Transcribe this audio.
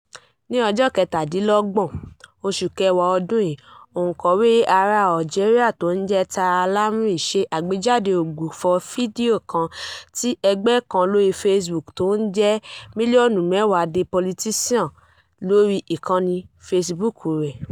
Ní ọjọ́ 27 oṣù kẹwàá ọdùn yìí, òǹkòwé arà Algeria tó ń jẹ́ Tahar Lamri [en] ṣe àgbéjáde ogbùfọ̀ fídíò kan [ar] tí ẹgbẹ́ kan lóri Facebook tó ń jẹ́ 10 Millions de Politiciens [ar, fr] lórí ìkànnì Facebook rẹ̀.